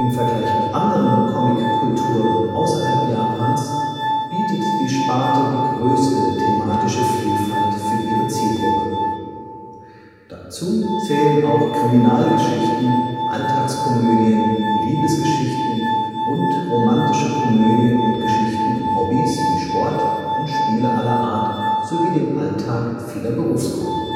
Vergleich mit anderen Comickulturen außerhalb Japans bietet die Sparte die größte thematische Vielfalt für ihre Zielgruppe. Dazu zählen auch Kriminalgeschichten, Alltagskomödien, Liebesgeschichten und romantische Komödien und Geschichten um Hobbys wie Sport und Spiele aller Art sowie den Alltag vieler Berufsgruppen